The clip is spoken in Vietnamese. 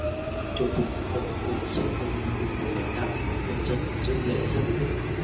chủ tịch quốc hội nguyễn sinh hùng cùng nhiều lãnh đạo nhân dân dự lễ dâng hương